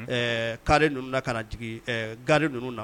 Ɛɛ ka ninnu ka na jigin gari ninnu na